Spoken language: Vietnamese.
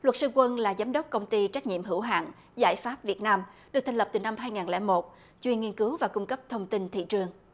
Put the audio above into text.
luật sư quân là giám đốc công ty trách nhiệm hữu hạn giải pháp việt nam được thành lập từ năm hai ngàn lẻ một chuyện nghiên cứu và cung cấp thông tin thị trường